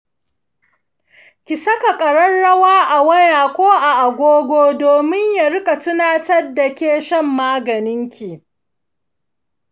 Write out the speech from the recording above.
ki saka ƙararrawa a waya ko agogo domin ta riƙa tunatar da ke shan maganinki.